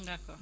d' accord